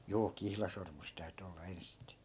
juu kihlasormus täytyi olla ensisteen